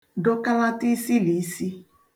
dụkalata isilìisi